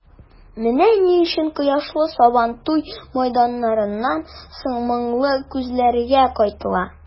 Менә ни өчен кояшлы Сабантуй мәйданнарыннан соң моңлы күзләргә кайтыла.